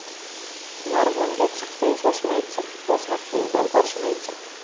narvonga chiqsang shoshmay chiq o'z haddingdan oshmay chiq